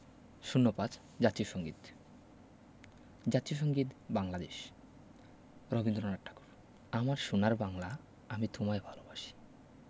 ০৫ জাতীয় সংগীত জাতীয় সংগীত বাংলাদেশ রবীন্দ্রনাথ ঠাকুর আমার সুনার বাংলা আমি তোমায় ভালোবাসি